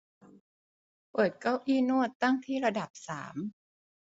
เปิดเก้าอี้นวดตั้งที่ระดับสาม